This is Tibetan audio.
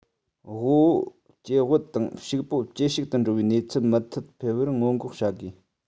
དབུལ པོ ཇེ དབུལ དང ཕྱུག པོ ཇེ ཕྱུག ཏུ འགྲོ བའི གནས ཚུལ མུ མཐུད འཕེལ བར སྔོན འགོག བྱ དགོས